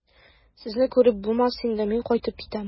Сезне күреп булмас инде, мин кайтып китәм.